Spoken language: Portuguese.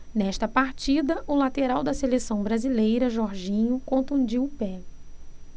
nesta partida o lateral da seleção brasileira jorginho contundiu o pé